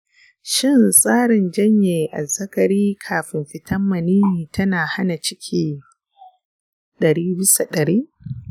shin tsarin janye azzakari kafin fitan maniyyi tana hana ciki dari bisa dari?